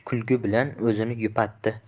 kulgi bilan o'zini yupatdi